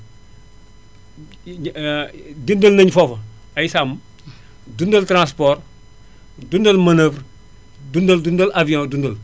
dundal nañu foofa ay sàmm dundal transport dundal manoeuvre dundal dundal avion dundal